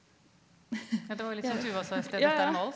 ja ja.